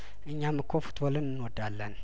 እኛም እኮ ፉትቦልን እንወዳለን